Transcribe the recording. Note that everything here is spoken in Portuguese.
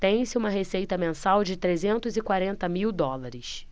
tem-se uma receita mensal de trezentos e quarenta mil dólares